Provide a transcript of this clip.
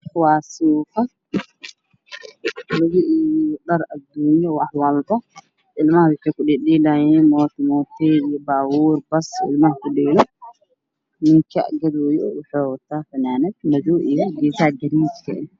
Waa suuq waxaa lagu iibinayaa alaabaha ilmaha ku ciyaaraan nin ayaa gadaaya wata fanaanad madow cadaan isku jiro